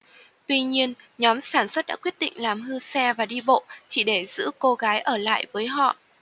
tuy nhiên nhóm sản xuất đã quyết định làm hư xe và đi bộ chỉ để giữ cô gái ở lại với họ